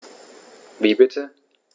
Wie bitte?